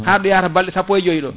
ha ɗo yakata balɗe sappo e joyyi ɗo